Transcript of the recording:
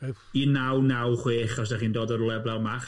Un naw naw chwech, os dach chi'n dod o rwle 'blaw Mach.